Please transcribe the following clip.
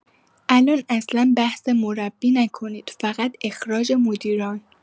الان اصلا بحث مربی نکنید فقط اخراج مدیران